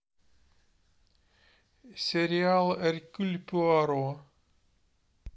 сериал эркюль пуаро